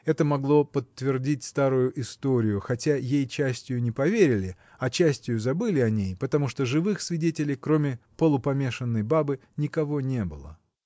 Это могло подтвердить старую историю, хотя ей частию не поверили, а частию забыли о ней, потому что живых свидетелей, кроме полупомешанной бабы, никого не было.